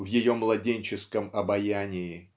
в ее младенческом обаянии.